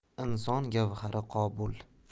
inson gavhari qobul